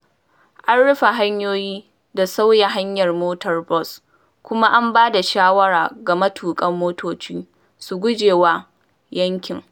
An rufe hanyoyi da sauya hanyar motar bos kuma an ba da shawara ga matukan motoci su guje wa yankin.